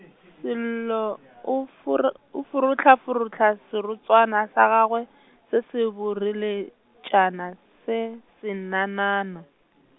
Sello o forr-, o forohlaforohla serotswana sa gagwe, se se boreletšana se, senanana.